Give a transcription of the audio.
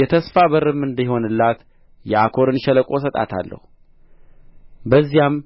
የተስፋ በርም እንዲሆንላት የአኮርን ሸለቆ እሰጣታለሁ በዚያም